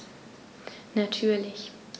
Natürlich.